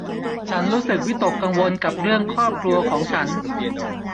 ฉันรู้สึกวิตกกังวลกับเรื่องครอบครัวของฉัน